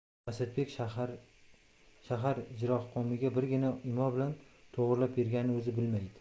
asadbek shahar ijroqo'miga birgina imo bilan to'g'rilab berganini o'zi bilmaydi